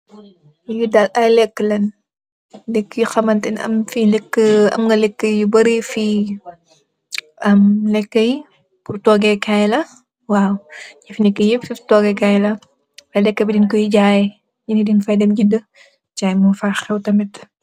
Lii ay leekë lañ, am nga ay leekë yu bëëri fii, am leekë, yi pur togé kaay la, waaw, waay lifi neek yëp pur togé kaay la waaw. Waay leekë dañ kooy jaay. Nit ñi dañ fay dem jëndë, jaay moo fay xew tam.